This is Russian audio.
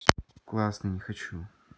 классный не хочу